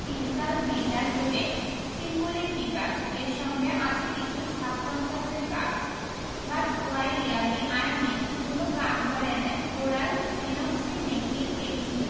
physical meta যোগে symbolic বিকাশ এর সঙ্গে আছে কিছু সাবকন্সাসের কাশ but what really I mean কোন কাম করে নাই ওরাল ফেনোক্সিমেথিল পেনিসিলিন